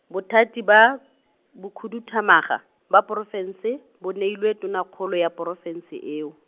bothati ba , bokhuduthamaga, ba porofense, bo neilwe tonakgolo ya porofense eo.